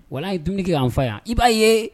Wa n ye dumuni' fa yan i b'a ye